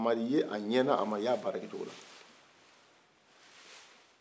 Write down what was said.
a ma ye a ɲɛ na a ma ye a baara kɛ cogo la